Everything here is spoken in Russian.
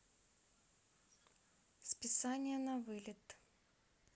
списание на вылет